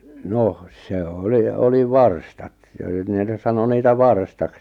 no se oli oli varstat ja nyt ne niin sanoi niitä varstaksi